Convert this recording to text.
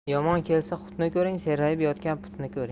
yomon kelsa hutni ko'ring serrayib yotgan putni ko'ring